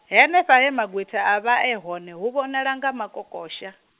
henefha he magwitha avha e hone hu vhonala nga makokosha.